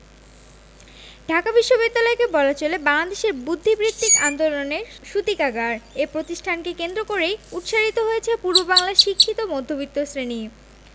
মসজিদ ঢাকা বিশ্ববিদ্যালয়কে বলা চলে বাংলাদেশের বুদ্ধিবৃত্তিক আন্দোলনের সূতিকাগার এ প্রতিষ্ঠানকে কেন্দ্র করেই উৎসারিত হয়েছে পূর্ববাংলার শিক্ষিত মধ্যবিত্ত শ্রেণি